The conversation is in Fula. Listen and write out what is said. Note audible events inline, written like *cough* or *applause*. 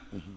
*hesitation* *hesitation*